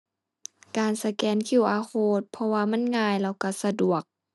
การสแกน QR code เพราะว่ามันง่ายแล้วก็สะดวก